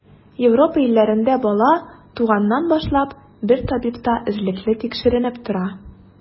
Европа илләрендә бала, туганнан башлап, бер табибта эзлекле тикшеренеп тора.